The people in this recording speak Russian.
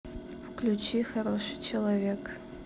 включи хороший человек